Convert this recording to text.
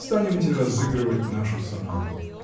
станемте разыгрывать нашу сонату.